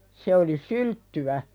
se oli sylttyä